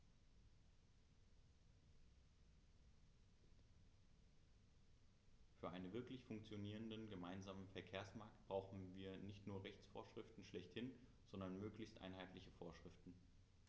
Für einen wirklich funktionierenden gemeinsamen Verkehrsmarkt brauchen wir nicht nur Rechtsvorschriften schlechthin, sondern möglichst einheitliche Vorschriften.